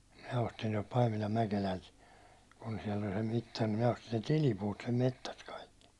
minä ostin tuolta Paimilan Mäkelältä kun siellä oli se mittari niin minä ostin sen tilipuut sen metsästä kaikki